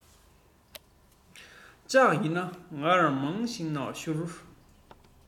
ལྕགས ཡིན ན ངར མར ཡིན ན བཞུར